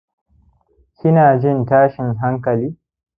kina jin tashin hankali